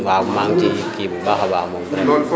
waaw maa ngi ciy kii bu baax a baax moom vraiment